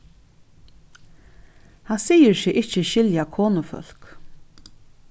hann sigur seg ikki skilja konufólk